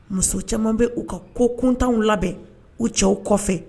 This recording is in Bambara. Muso caaman bɛ u ka ko kuntanw labɛn u cɛw kɔfɛ.